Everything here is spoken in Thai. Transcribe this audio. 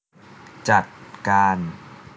จัดการ